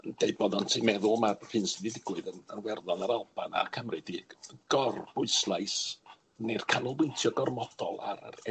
Deud bod o'n ti'n meddwl ma'r hyn sy 'di digwydd yn Iwerddon a'r Alban a cymryd i gor-bwyslais neu'r canolbwyntio gormodol ar yy